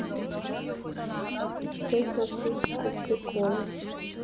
тест на психику приколы